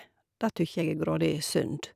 Det tykker jeg er grådig synd.